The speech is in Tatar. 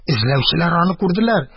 Эзләүчеләр аны күрделәр.